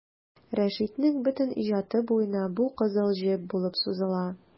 Рәшитнең бөтен иҗаты буена бу кызыл җеп булып сузыла.